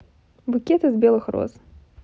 букет из белых роз